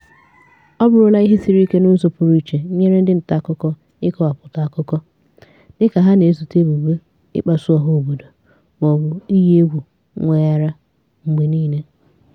Ọ bụrụla ihe siri ike n'ụzọ pụrụ iche nyere ndị ntaakụkọ, ịkọwapụta akụkọ, dịka ha na-ezute ebubo "ịkpasu ọha obodo" maọbụ "iyi egwu mweghara" mgbe niile.